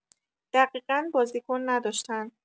دقیقا بازیکن نداشتن